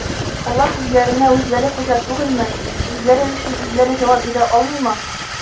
Алар үзләренә-үзләре хуҗа түгелме, үзләре өчен үзләре җавап бирә алмыймы?